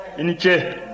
i ni ce